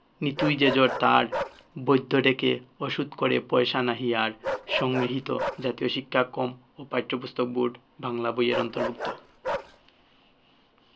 নিতুই যে জ্বর তার বৈদ্য ডেকে ওষুধ করে পয়সা নাহি আর সংগৃহীত জাতীয় শিক্ষাক্রম ও পাঠ্যপুস্তক বোর্ড বাংলা বই এর অন্তর্ভুক্ত